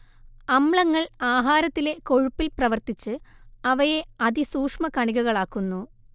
അമ്ലങ്ങൾ ആഹാരത്തിലെ കൊഴുപ്പിൽ പ്രവർത്തിച്ച് അവയെ അതിസൂക്ഷ്മകണികകളാക്കുന്നു